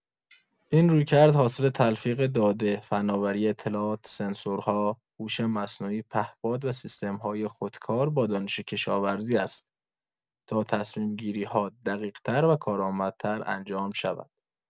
این رویکرد حاصل تلفیق داده، فناوری اطلاعات، سنسورها، هوش مصنوعی، پهپاد و سیستم‌های خودکار با دانش کشاورزی است تا تصمیم‌گیری‌ها دقیق‌تر و کارآمدتر انجام شود.